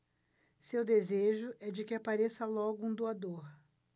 seu desejo é de que apareça logo um doador